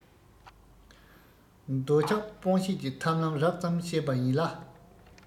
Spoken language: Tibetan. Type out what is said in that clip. འདོད ཆགས སྤོང བྱེད ཀྱི ཐབས ལམ རགས ཙམ བཤད པ ཡིན ལ